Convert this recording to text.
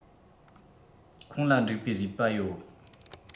ཁོང ལ འགྲིག པའི རུས པ ཡོད